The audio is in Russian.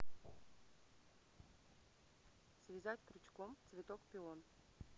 связать крючком цветок пион